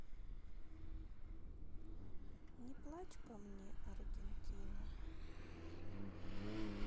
не плачь по мне аргентина